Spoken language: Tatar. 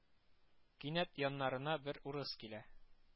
Кинәт яннарына бер урыс килә